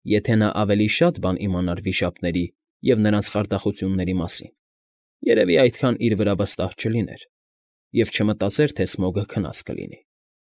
Եթե նա ավելի շատ բան իմանար վիշապների և նրանց խարդախությունների մասին, երևի այդքան իր վրա վստահ չլիներ և չմտածեր, թե Սմոգը քնած կլինի։